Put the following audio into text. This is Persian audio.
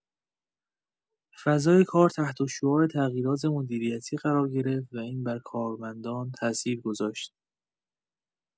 فضای کار تحت‌الشعاع تغییرات مدیریتی قرار گرفت و این بر کارمندان تاثیر گذاشت.